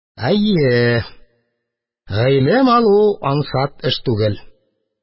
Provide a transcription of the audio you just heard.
Әйе. Гыйлем алу ансат эш түгел...